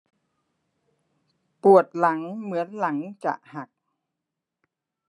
ปวดหลังเหมือนหลังจะหัก